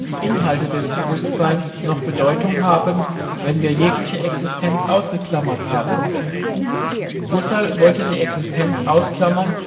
Inhalte des Bewusstseins noch Bedeutung haben, wenn wir jegliche Existenz ausgeklammert haben? Husserl wollte die Existenz ausklammern